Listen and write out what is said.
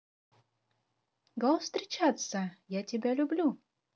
го встречаться я тебя люблю